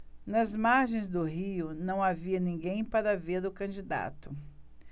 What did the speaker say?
nas margens do rio não havia ninguém para ver o candidato